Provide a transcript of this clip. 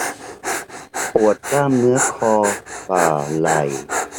ปวดกล้ามเนื้อคอบ่าไหล่